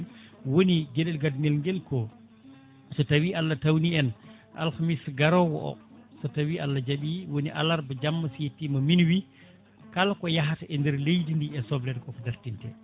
woni gueɗel gadanel nguel ko so tawi Allah tawni en alkamisa garowo o so tawi Allah jaaɓi woni alarba jamma so yettima minuit kala ko yahata e nder leydi ndi e soblere koko dartinte